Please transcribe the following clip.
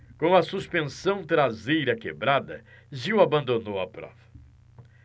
com a suspensão traseira quebrada gil abandonou a prova